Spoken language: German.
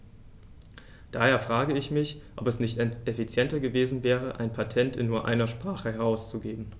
Daher frage ich mich, ob es nicht effizienter gewesen wäre, ein Patent in nur einer Sprache herauszugeben.